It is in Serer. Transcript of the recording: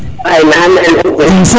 way maxey men rek Diouf